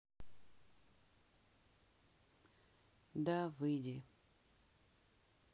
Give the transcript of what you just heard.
да выйди